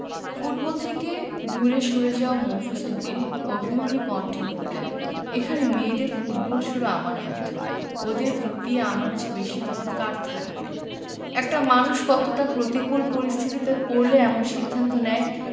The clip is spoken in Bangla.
ফুটবল থেকে দূরে সরে যাওয়া মফিজ উদ্দিন অভিমানী কণ্ঠে বললেন এখানে মেয়েদের ফুটবল শুরু আমার হাত ধরেই ওদের প্রতি আমার চেয়ে বেশি দরদ কার থাকবে একটা মানুষ কতটা প্রতিকূল পরিস্থিতিতে পড়লে এমন সিদ্ধান্ত নেয়